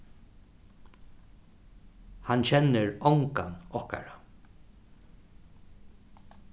hann kennir ongan okkara